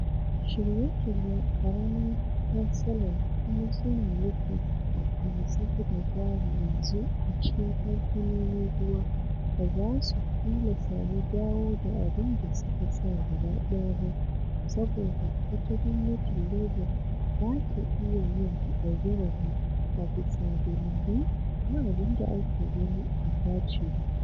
Shiryen-shiryen ƙaramin cansalan kuma suna nufi masu zuba jari yanzu a cikin kamfanonin ruwa ba za su ƙila sami dawo da abin da suka sa gaba ɗaya ba saboda wata gwamnatin Labour za ta iya yin 'rage-rage' a bisa dalilai na abin da ake ganin bai dace ba.